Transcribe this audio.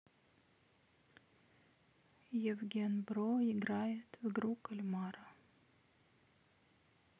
евген бро играет в игру кальмара